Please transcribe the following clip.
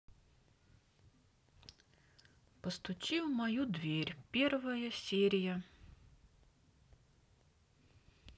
постучи в мою дверь первая серия